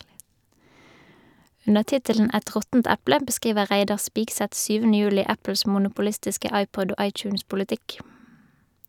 Under tittelen "Et råttent eple" beskriver Reidar Spigseth syvende juli Apples monopolistiske iPod- og iTunes-politikk.